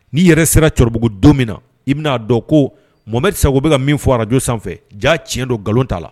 N'i yɛrɛ sera cɛkɔrɔbabugu don min na i bɛna'a dɔn ko momeri sa u bɛka ka min fɔ araj sanfɛ jaa ti don nkalon t'a la